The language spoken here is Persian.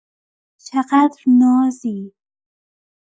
چقدر نازی!